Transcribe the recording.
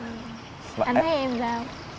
ừ anh thấy em sao